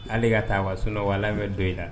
Ale ka taa wasoɔ wala bɛ don in la